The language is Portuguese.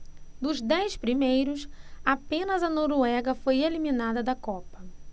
dos dez primeiros apenas a noruega foi eliminada da copa